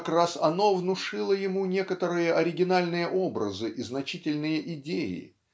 как раз оно внушило ему некоторые оригинальные образы и значительные идеи